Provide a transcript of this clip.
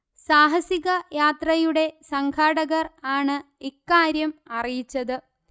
സാഹസിക യാത്രയുടെ സംഘാടകർ ആണ് ഇക്കാർയം അറിയിച്ചത്